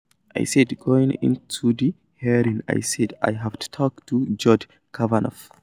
"I said going into the hearing, I said, I've talked to Judge Kavanaugh.